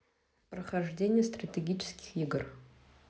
прохождение стратегических игр